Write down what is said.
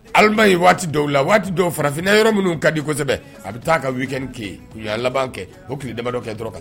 Hali i man ye waati dɔw la waati dɔw farafinina yɔrɔ minnu ka di kosɛbɛ a bɛ taa a ka weekend kɛyi kuɲɔgɔ laban kɛ o tile damabadɔ kɛ